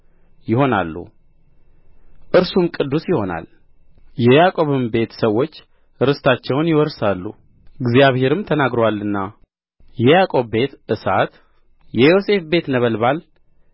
ይሆናሉ እርሱም ቅዱስ ይሆናል የያዕቆብም ቤት ሰዎች ርስታቸውን ይወርሳሉ እግዚአብሔርም ተናግሮአልና የያዕቆብ ቤት እሳት የዮሴፍ ቤት ነበልባልም የ